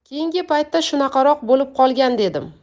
keyingi paytda shunaqaroq bo'lib qolgan dedim